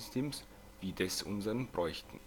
des unseren bräuchten